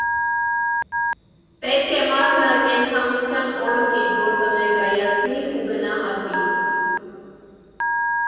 Պետք է մարդը կենդանության օրոք իր գործը ներկայացնի ու գնահատվի։